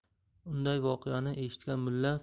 undan voqeani eshitgan mulla